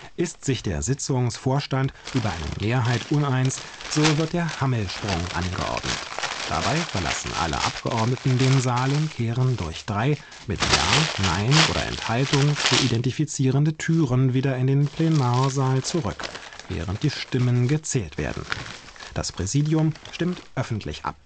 Ist sich der Sitzungsvorstand über eine Mehrheit uneins, so wird der „ Hammelsprung “angeordnet. Dabei verlassen alle Abgeordneten den Saal und kehren durch drei mit „ Ja “,„ Nein “oder „ Enthaltung “zu identifizierende Türen wieder in den Plenarsaal zurück, während die Stimmen gezählt werden. Das Präsidium stimmt öffentlich ab